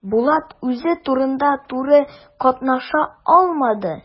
Булат үзе турыдан-туры катнаша алмады.